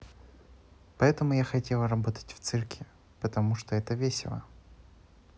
поэтому я хотела работать цирке потому что это весело